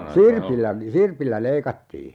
sirpillä sirpillä leikattiin